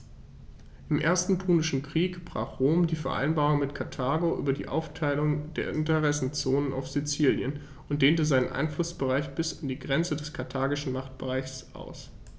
Im Ersten Punischen Krieg brach Rom die Vereinbarung mit Karthago über die Aufteilung der Interessenzonen auf Sizilien und dehnte seinen Einflussbereich bis an die Grenze des karthagischen Machtbereichs aus.